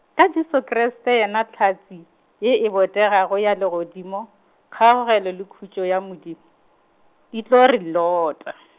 ka Jesu Kriste yena hlatse, ye e botegago ya legodimo, kgaogelo le khutšo ya Modim-, di tlo re lota.